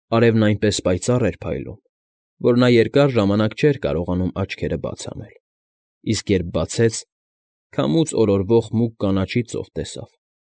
Արևն այնպես պայծառ էր փայլում, որ նա երկար ժամաակ չէր կարողանում աչքերը բաց անել, իսկ երբ բացեց, քամուց օրորվող մուգ կանաչի ծով տեսավ։